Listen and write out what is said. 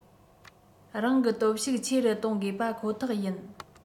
རང གི སྟོབས ཤུགས ཆེ རུ གཏོང དགོས པ ཁོ ཐག ཡིན